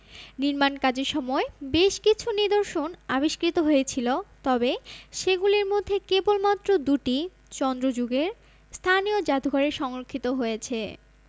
নির্মাণ কাজের সময় বেশ কিছু নিদর্শন আবিষ্কৃত হয়েছিল তবে সেগুলির মধ্যে কেবলমাত্র দুটি চন্দ্র যুগের স্থানীয় জাদুঘরে সংরক্ষিত হয়েছে